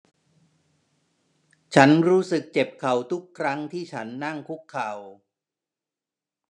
ฉันรู้สึกเจ็บเข่าทุกครั้งที่ฉันนั่งคุกเข่า